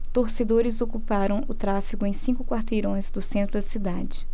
torcedores ocuparam o tráfego em cinco quarteirões do centro da cidade